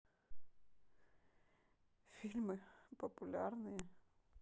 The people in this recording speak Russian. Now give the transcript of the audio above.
фильмы популярные